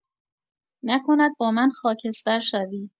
نکند با من خاکستر شوی.